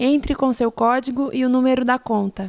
entre com o seu código e o número da conta